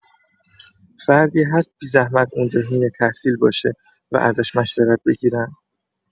فردی هست بی‌زحمت اونجا حین تحصیل باشه و ازش مشورت بگیرم؟